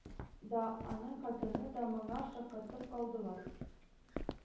Да, аның хатыны да моңа шаккатып калдылар